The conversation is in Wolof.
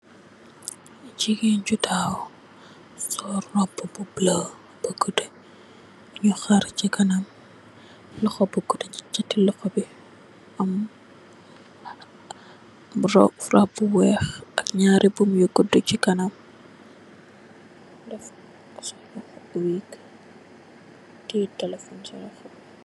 Gigain ju takhaw sol rohba bu bleu bu gudu, nju hahrre chi kanam, lokhor bu gudu chi chhati lokhor bii am rohbu bu wekh ak njaari buum yu gudu chi kanam, def, sol wig, tiyeh telephone cii lokhom.